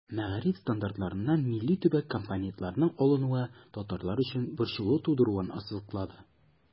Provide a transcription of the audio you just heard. Мәгариф стандартларыннан милли-төбәк компонентының алынуы татарлар өчен борчылу тудыруын ассызыклады.